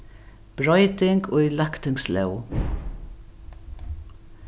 broyting í løgtingslóg